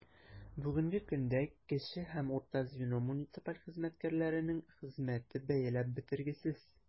Бүгенге көндә кече һәм урта звено муниципаль хезмәткәрләренең хезмәте бәяләп бетергесез.